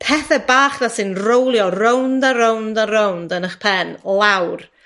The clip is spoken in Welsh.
pethe bach 'na sy'n rowlio rownd a rownd a rownd yn 'ych pen lawr.